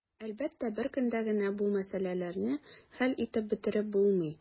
Әлбәттә, бер көндә генә бу мәсьәләләрне хәл итеп бетереп булмый.